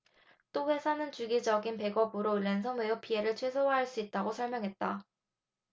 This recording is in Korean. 또 회사는 주기적인 백업으로 랜섬웨어 피해를 최소화 할 수 있다고 설명했다